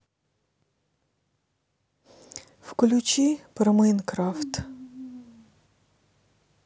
включи про майнкрафт